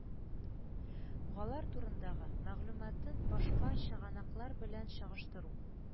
Галар турындагы мәгълүматын башка чыганаклар белән чагыштыру